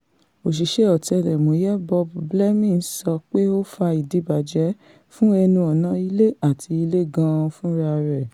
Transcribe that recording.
Òṣiṣẹ́ Ọ̀tẹlẹ̀múyẹ́ Bob Blemmings sọ pé ó fa ìdíbàjẹ́ fún ẹnu-ọ̀nà ilé àti ile gan-an fúnrarẹ̀.